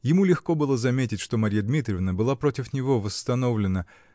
Ему легко было заметить, что Марья Дмитриевна была против него восстановлена